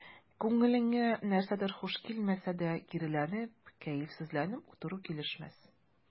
Күңелеңә нәрсәдер хуш килмәсә дә, киреләнеп, кәефсезләнеп утыру килешмәс.